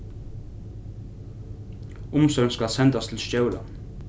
umsókn skal sendast til stjóran